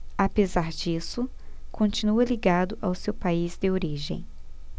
apesar disso continua ligado ao seu país de origem